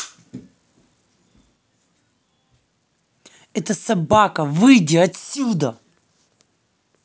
это собака выйди отсюда